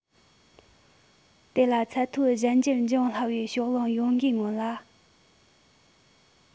དེ ལ ཚད མཐོའི གཞན འགྱུར འབྱུང སླ བའི ཕྱོགས ལྷུང ཡོད འགའི སྔོན ལ